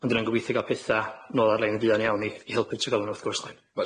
ond 'dan ni yn gobeithio ga'l petha nôl ar lein fuan iawn i i helpu trigolion wrth gwrs.